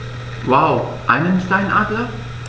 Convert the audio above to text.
Wow! Einen Steinadler?